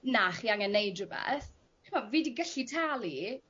na chi angen neud rwbeth ch'mo' fi 'di gyllu talu